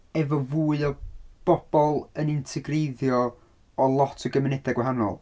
Efo fwy o bobl yn integreiddio o lot o gymunedau gwahanol.